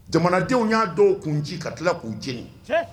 Jamanadenw y'a dɔw kun nci ka tila k'u jeni